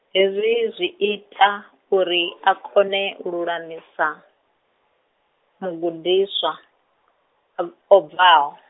hezwi zwi ita, uri a kone u lulamisa, mugudiswa, o bvaho.